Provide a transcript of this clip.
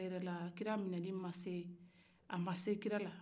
a ma se kira la